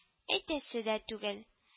Әйтәсе дә түгел